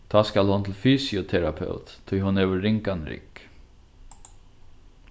tá skal hon til fysioterapeut tí hon hevur ringan rygg